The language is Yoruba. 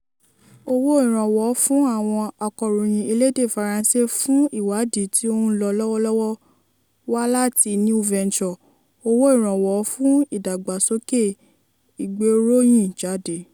Owó ìrànwọ́ fún àwọn akọ̀ròyìn elédè Faransé fún ìwádìí tí ó ń lọ lọ́wọ́lọ́wọ́ wá láti New Venture, owó ìrànwọ́ fún ìdàgbàsókè ìgbéròyìnjáde.